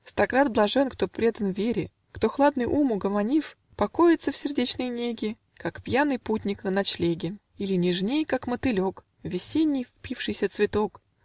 Стократ блажен, кто предан вере, Кто, хладный ум угомонив, Покоится в сердечной неге, Как пьяный путник на ночлеге, Или, нежней, как мотылек, В весенний впившийся цветок